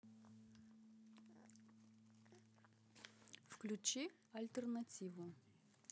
включи альтернативу